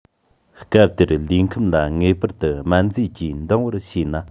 སྐབས དེར ལུས ཁམས ལ ངེས པར དུ སྨན རྫས ཀྱིས འདང བར བྱས ན